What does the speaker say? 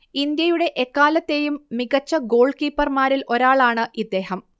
ഇന്ത്യയുടെ എക്കാലത്തെയും മികച്ച ഗോൾ കീപ്പർമാരിൽ ഒരാളാണ് ഇദ്ദേഹം